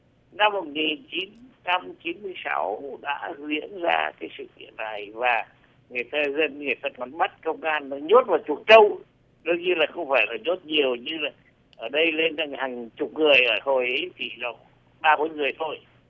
năm một nghìn chín trăm chín mươi sáu đã diễn ra cái sự kiện này và người ta dân người ta còn bắt công an rồi nhốt vào chuồng trâu đôi khi không phải là nhốt nhiều như vậy ở đây lên tới hàng chục người hồi ý chỉ độ ba bốn người thôi